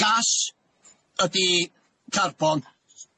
Gas ydi carbon.